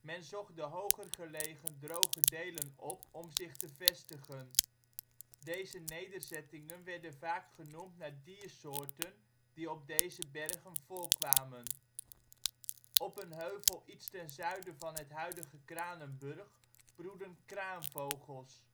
Men zocht de hoger gelegen droge delen op om zich te vestigen. Deze nederzettingen werden vaak genoemd naar diersoorten die op deze ' bergen ' voorkwamen. Op een heuvel iets ten zuiden van het huidige Kranenburg broedden kraanvogels